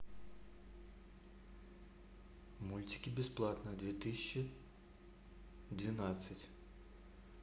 мультики бесплатно две тысячи двенадцать